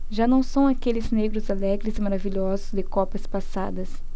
já não são aqueles negros alegres e maravilhosos de copas passadas